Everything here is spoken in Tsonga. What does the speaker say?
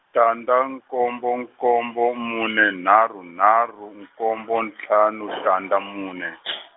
tandza nkombo nkombo mune nharhu nharhu nkombo ntlhanu tandza mune .